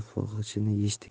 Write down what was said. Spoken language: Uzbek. g'ilof bog'ichini yechdik